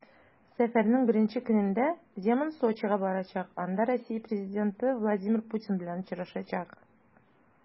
Сәфәренең беренче көнендә Земан Сочига барачак, анда Россия президенты Владимир Путин белән очрашачак.